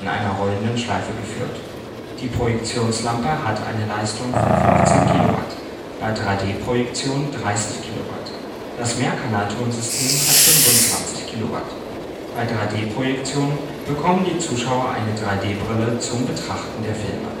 einer rollenden Schleife geführt. Die Projektionslampe hat ein Leistung von 15 kW, bei 3D-Projektionen 30 kW. Das Mehrkanal-Tonsystem hat 25 kW. Bei 3D-Prokejtionen bekommen die Zuschauer eine 3D-Brille zum betrachten der Filme